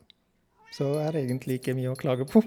Så jeg har egentlig ikke mye å klage på.